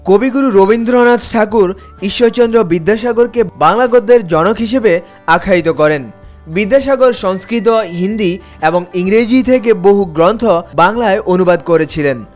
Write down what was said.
কবিগুরু রবীন্দ্রনাথ ঠাকুর ঈশ্বরচন্দ্র বিদ্যাসাগরকে বাংলা গদ্যের জনক হিসেবে আখ্যায়িত করেন বিদ্যাসাগর সংস্কৃত হিন্দী এবং ইংরেজী থেকে বহু গ্রন্থ বাংলায় অনুবাদ করেছিলেন